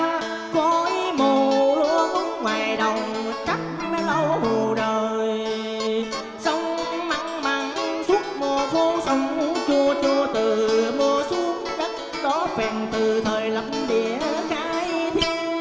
khói mù hương ngòai đồng cắt lâu đời sông mặn mằn suốt mùa khô chua chua mùa mưa xuống đất đỏ phèn từ thời lập địa cái thiêng